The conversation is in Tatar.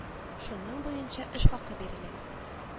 Шуның буенча эш хакы бирелә